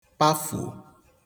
pafùò